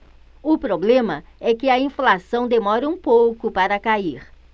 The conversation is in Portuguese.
o problema é que a inflação demora um pouco para cair